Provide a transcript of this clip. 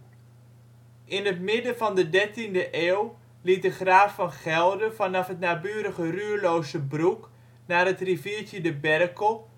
In het midden van de dertiende eeuw liet de graaf van Gelre vanaf het naburige Ruurlose Broek naar het riviertje de Berkel